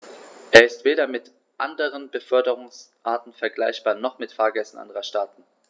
Er ist weder mit anderen Beförderungsarten vergleichbar, noch mit Fahrgästen anderer Staaten.